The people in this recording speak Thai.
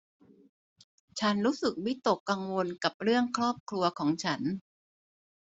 ฉันรู้สึกวิตกกังวลกับเรื่องครอบครัวของฉัน